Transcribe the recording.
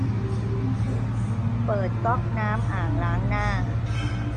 เปิดก็อกน้ำอ่างล้างหน้า